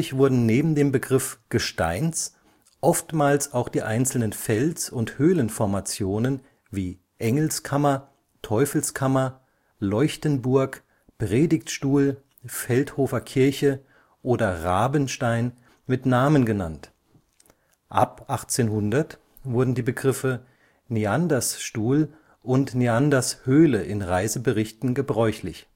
wurden neben dem Begriff Gesteins oftmals auch die einzelnen Fels - und Höhlenformationen wie Engelskammer, Teufelskammer, Leuchtenburg, Predigtstuhl, Feldhofer Kirche oder Rabenstein mit Namen genannt, ab 1800 wurden die Begriffe Neandersstuhl und Neandershöhle in Reiseberichten gebräuchlich